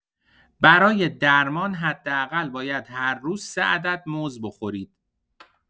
برای درمان حداقل باید هر روز سه عدد موز بخورید.